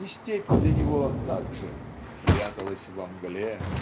И степь для него так же "пряталась во мгле